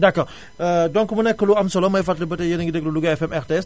d' accord donc mu nekk lu am solo may fàttali ba tay yéen a ngi déglu Louga FM RTS